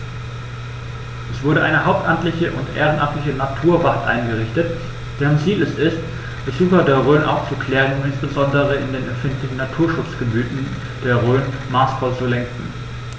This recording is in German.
Es wurde eine hauptamtliche und ehrenamtliche Naturwacht eingerichtet, deren Ziel es ist, Besucher der Rhön aufzuklären und insbesondere in den empfindlichen Naturschutzgebieten der Rhön maßvoll zu lenken.